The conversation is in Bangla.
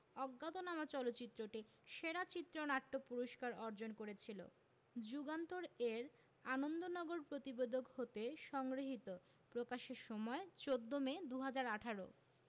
অজ্ঞাতনামা চলচ্চিত্রটি সেরা চিত্রনাট্য পুরস্কার অর্জন করেছিল যুগান্তর এর আনন্দনগর প্রতিবেদক হতে সংগৃহীত প্রকাশের সময় ১৪ মে ২০১৮